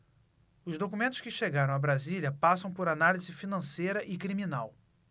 os documentos que chegaram a brasília passam por análise financeira e criminal